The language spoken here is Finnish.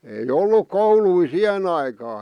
ei ollut kouluja siihen aikaan